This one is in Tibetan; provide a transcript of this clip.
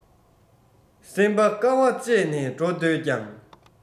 སེམས པ དཀའ བ སྤྱད ནས འགྲོ འདོད ཀྱང